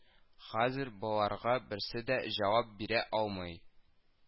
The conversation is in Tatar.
Хәзер боларга берсе дә җавап бирә алмый